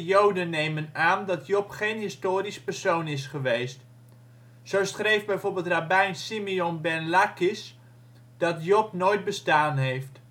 joden nemen aan dat Job geen historisch persoon is geweest. Zo schreef bijvoorbeeld Rabbijn Simeon ben Laquish dat Job nooit bestaan heeft